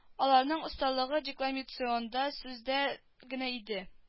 Аларның осталыгы декламационда сүздә генә иде